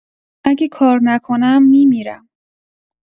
اگه کار نکنم، می‌میرم.